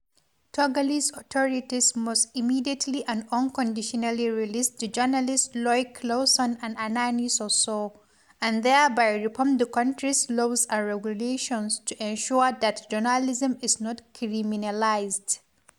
Togolese authorities must immediately and unconditionally release the journalists Loïc Lawson and Anani Sossou, and thereby reform the country’s laws and regulations to ensure that journalism is not criminalized.